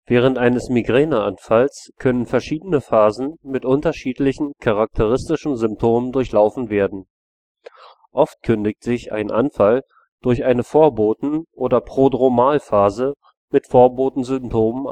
Während eines Migräneanfalls können verschiedene Phasen mit unterschiedlichen charakteristischen Symptomen durchlaufen werden. Oft kündigt sich ein Anfall durch eine Vorboten - oder Prodromalphase mit Vorbotensymptomen